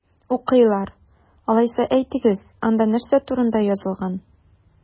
Укыйлар! Алайса, әйтегез, анда нәрсә турында язылган?